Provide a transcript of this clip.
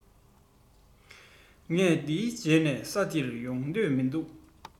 ང འདིའི རྗེས ནས ས འདིར ཡོང འདོད མི འདུག